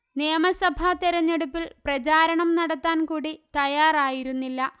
നിയമസഭാ തെരഞ്ഞെടുപ്പില് പ്രചാരണം നടത്താന് കൂടി തയ്യാറായിരുന്നില്ല